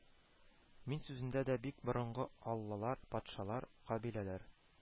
Мин сүзендә дә бик борынгы аллалар, патшалар, кабиләләр